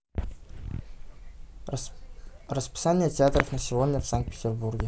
расписание театров на сегодня в санкт петербурге